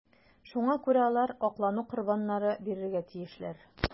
Шуңа күрә алар аклану корбаннары бирергә тиешләр.